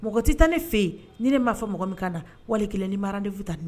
Mɔgɔ tɛ tan ne fɛ yen ni ne m ma fɔ mɔgɔ min ka na wali kelen ni ma rendez-vous ta ni